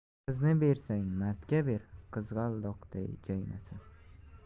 qizni bersang mardga ber qizg'aldoqday jaynasin